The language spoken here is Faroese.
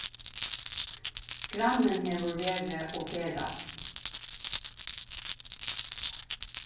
grannin hevur verið og ferðast